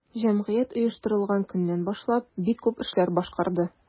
Җәмгыять оештырылган көннән башлап бик күп эшләр башкарды.